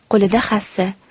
qo'lida hassa